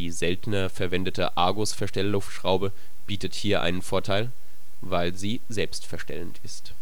seltener verwendete Argus Verstellluftschraube bietet hier einen Vorteil, weil sie selbstverstellend ist